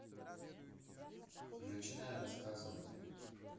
начинай рассказывать